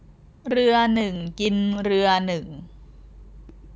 เรือหนึ่งกินเรือหนึ่ง